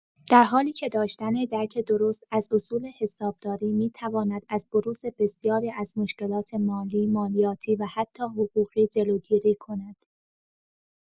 در حالی که داشتن درک درست از اصول حسابداری، می‌تواند از بروز بسیاری از مشکلات مالی، مالیاتی و حتی حقوقی جلوگیری کند.